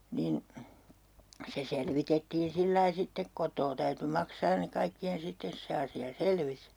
niin se selvitettiin sillä lailla sitten kotoa täytyi maksaa ne kaikkien sitten se asia selvisi